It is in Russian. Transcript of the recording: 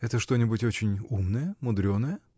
— Это что-нибудь очень умное, мудреное?